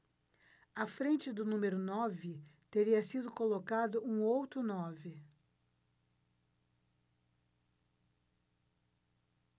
à frente do número nove teria sido colocado um outro nove